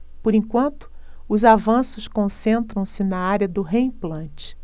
por enquanto os avanços concentram-se na área do reimplante